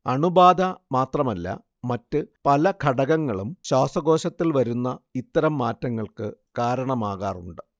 അണുബാധ മാത്രമല്ല മറ്റ് പല ഘടകങ്ങളും ശ്വാസകോശത്തിൽ വരുന്ന ഇത്തരം മാറ്റങ്ങൾക്ക് കാരണമാകാറുണ്ട്